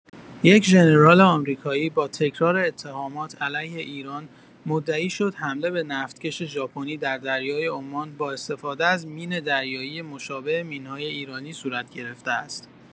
یک ژنرال آمریکایی با تکرار اتهامات علیه ایران مدعی شد حمله به نفتکش ژاپنی در دریای عمان با استفاده از مین دریایی مشابه مین‌های ایرانی صورت گرفته است.